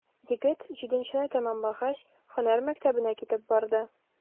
Егет, җиденчене тәмамлагач, һөнәр мәктәбенә китеп барды.